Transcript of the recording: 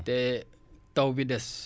te taw bi des